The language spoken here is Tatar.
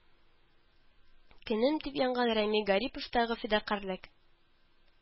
Көнем дип янган рәми гариповтагы фидакарьлек